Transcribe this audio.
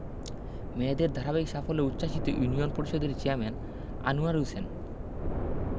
মেয়েদের ধারাবাহিক সাফল্যে উচ্ছ্বাসিত ইউনিয়ন পরিষদের চেয়ারম্যান আনুয়ার হোসেন